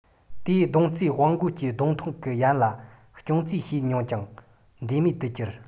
དེས སྡོང རྩེ སྤང རྒོད ཀྱི སྡོང ཐུང གི ཡན ལ རྐྱོང རྩིས བྱས མྱོང ཀྱང འབྲས མེད དུ གྱུར